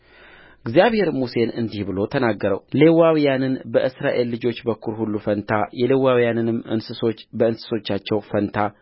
እግዚአብሔርም ሙሴን እንዲህ ብሎ ተናገረውሌዋውያንን በእስራኤል ልጆች በኵር ሁሉ ፋንታ የሌዋውያንንም እንስሶች በእንስሶቻቸው ፋንታ